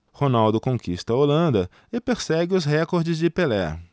ronaldo conquista a holanda e persegue os recordes de pelé